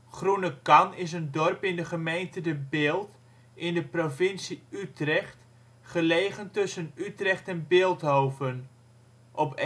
Groenekan is een dorp in de gemeente De Bilt (provincie Utrecht), gelegen tussen Utrecht en Bilthoven. Op